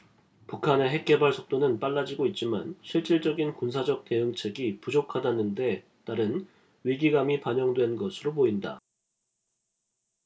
북한의 핵개발 속도는 빨라지고 있지만 실질적인 군사적 대응책이 부족하다는 데 따른 위기감이 반영된 것으로 보인다